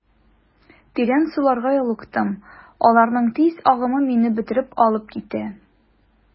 Тирән суларга юлыктым, аларның тиз агымы мине бөтереп алып китә.